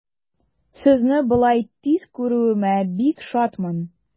Сезне болай тиз күрүемә бик шатмын.